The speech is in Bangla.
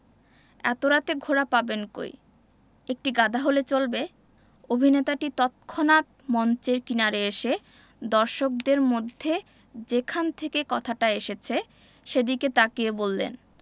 এত রাতে ঘোড়া পাবেন কই একটি গাধা হলে চলবে অভিনেতাটি তৎক্ষনাত মঞ্চের কিনারে এসে দর্শকদের মধ্যে যেখান থেকে কথাটা এসেছে সেদিকে তাকিয়ে বললেন